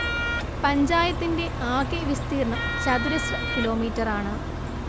പഞ്ചായത്തിന്റെ ആകെ വിസ്തീർണം ചതുരശ്ര കിലോമീറ്ററാണ്